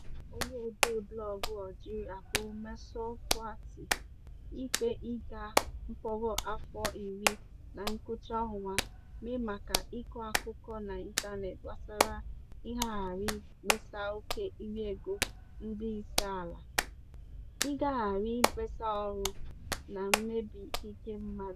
A mara onye odee blọọgụ Algerịa bụ Merzoug Touati ikpe ịga mkpọrọ afọ iri na ngwụcha ọnwa Mee maka ịkọ akụkọ n'ịntanetị gbasara ngagharị mkpesa oke iriego ndị isiala, ngagharị mkpesa ọrụ, na mmebi ikike mmadụ.